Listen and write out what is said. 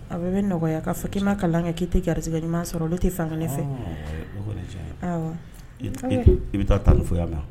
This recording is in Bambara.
A bɛ nɔgɔya k'a fɔ'i ma kalan kɛ'i tɛ gari ɲuman sɔrɔ tɛ fan fɛ i bɛ taa ni